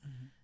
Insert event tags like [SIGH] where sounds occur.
[HESITATION] [HESITATION]